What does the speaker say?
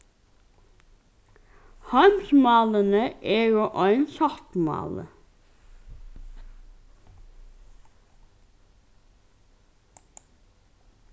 heimsmálini eru ein sáttmáli